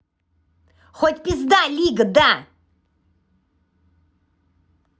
хоть пизда лига да